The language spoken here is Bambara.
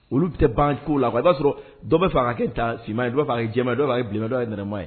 Olu tɛ ban kow la i b'a y'a sɔrɔ dɔ bɛ fɛ a kɛ tan finman ye dɔ b'a fɛ a ka kɛ jɛman ye dɔ b'a fɛ a ka kɛ bilenman ye dɔ a ye nɛrɛman ye